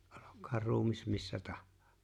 olkoon ruumis missä tahansa